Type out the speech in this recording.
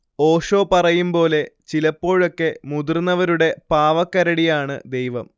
ഓഷോ പറയും പോലെ, ചിലപ്പോഴൊക്കെ മുതിർന്നവരുടെ പാവക്കരടിയാണ് ദൈവം